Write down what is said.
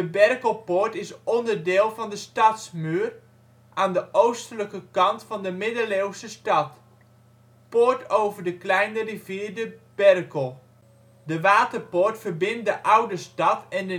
Berkelpoort is onderdeel van de stadsmuur, aan de oostelijke kant van de middeleeuwse stad. Poort over de kleine rivier de Berkel. De waterpoort verbindt de oude stad en